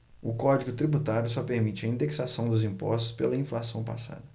o código tributário só permite a indexação dos impostos pela inflação passada